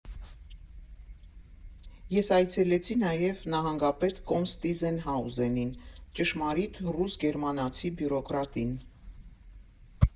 «Ես այցելեցի նաև նահանգապետ կոմս Տիզենհաուզենին, ճշմարիտ ռուս֊գերմանացի բյուրոկրատին։